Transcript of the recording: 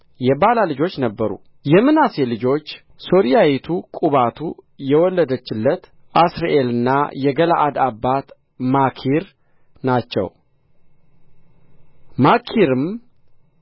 የባላ ልጆች ነበሩ የምናሴ ልጆች ሶርያይቱ ቁባቱ የወለደችለት እሥርኤልና የገለዓድ አባት ማኪር ናቸው ማኪርም